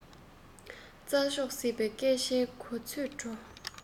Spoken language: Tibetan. རྩ མཆོག ཟིལ པས སྐད ཆ གོ ཚོད འགྲོ